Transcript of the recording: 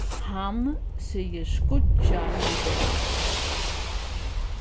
hann sigur skýggjað í dag